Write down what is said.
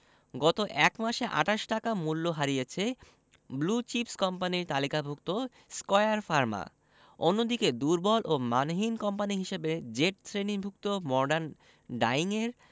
গত এক মাসে ২৮ টাকা মূল্য হারিয়েছে ব্লু চিপস কোম্পানির তালিকাভুক্ত স্কয়ার ফার্মা অন্যদিকে দুর্বল ও মানহীন কোম্পানি হিসেবে জেড শ্রেণিভুক্ত মর্ডান ডায়িংয়ের